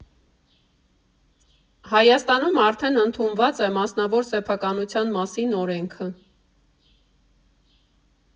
Հայաստանում արդեն ընդունված է մասնավոր սեփականության մասին օրենքը։